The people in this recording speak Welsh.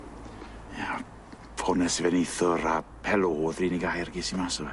Ie, ffones i fe neithwr a helô odd yr unig air ges i mas o fe.